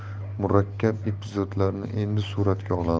bilan murakkab epizodlarni endi suratga olamiz